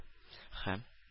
Һәм